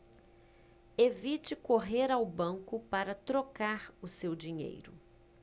evite correr ao banco para trocar o seu dinheiro